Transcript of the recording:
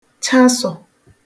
chasọ̀